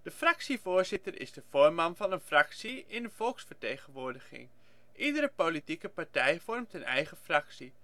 fractievoorzitter is de voorman van een fractie in een volksvertegenwoordiging. Iedere politieke partij vormt een eigen fractie